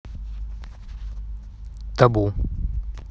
табу